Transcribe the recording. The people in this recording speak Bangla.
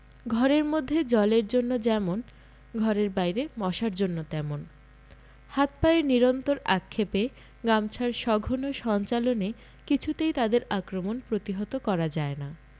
ঘরের মধ্যে জলের জন্য যেমন ঘরের বাইরে মশার জন্য তেমন হাত পায়ের নিরন্তর আক্ষেপে গামছার সঘন সঞ্চালনে কিছুতেই তাদের আক্রমণ প্রতিহত করা যায় না